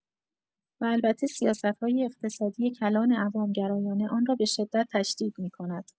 و البته سیاست‌های اقتصادی کلان عوام‌گرایانه آن را به‌شدت تشدید می‌کند.